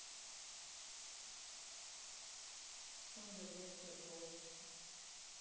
under версия полностью